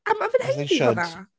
A ma' fe'n haeddu hwnna...As they should.